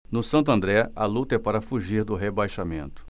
no santo andré a luta é para fugir do rebaixamento